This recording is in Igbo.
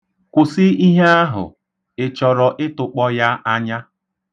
Kwụsị ihe ahụ! Ị chọrọ ịtụkpọ ya anya?